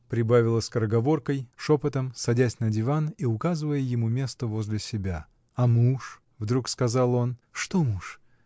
— прибавила скороговоркой, шепотом, садясь на диван и указывая ему место возле себя. — А муж? — вдруг сказал он. — Что муж?